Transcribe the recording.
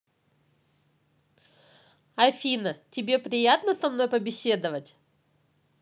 афина тебе приятно со мной побеседовать